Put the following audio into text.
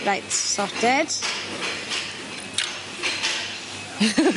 Reit sorted.